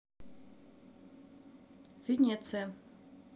венеция